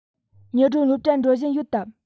ཉི སྒྲོན སློབ གྲྭར འགྲོ བཞིན ཡོད དམ